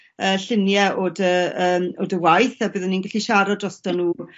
yy llunie o dy yym o dy waith a byddwn ni'n gallu siarad drosto nw